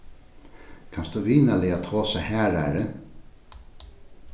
kanst tú vinarliga tosa harðari